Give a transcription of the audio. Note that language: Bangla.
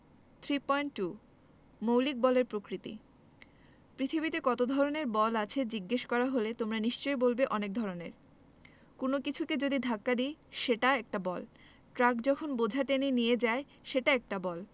3.2 মৌলিক বলের প্রকৃতি পৃথিবীতে কত ধরনের বল আছে জিজ্ঞেস করা হলে তোমরা নিশ্চয়ই বলবে অনেক ধরনের কোনো কিছুকে যদি ধাক্কা দিই সেটা একটা বল ট্রাক যখন বোঝা টেনে নিয়ে যায় সেটা একটা বল